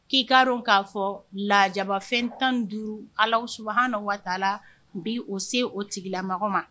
K'i ka dɔn k'a fɔ lajabafɛn tan duuru ala ssu na waata la bi o se o tigilamɔgɔ ma